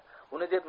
uni deb